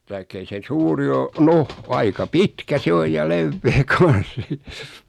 tai ei se suuri ole no aika pitkä se on ja leveä kanssa